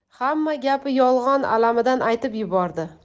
hamma gapi yolg'on alamidan aytib yubordi